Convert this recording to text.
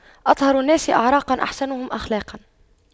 أطهر الناس أعراقاً أحسنهم أخلاقاً